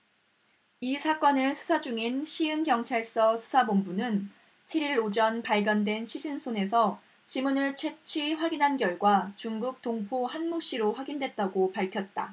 이 사건을 수사 중인 시흥경찰서 수사본부는 칠 일 오전 발견된 시신 손에서 지문을 채취 확인한 결과 중국 동포 한모씨로 확인됐다고 밝혔다